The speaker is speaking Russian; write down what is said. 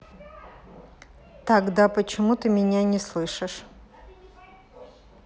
тогда почему ты меня не слышишь